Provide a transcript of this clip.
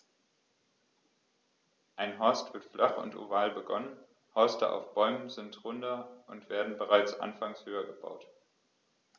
Ein Horst wird flach und oval begonnen, Horste auf Bäumen sind runder und werden bereits anfangs höher gebaut.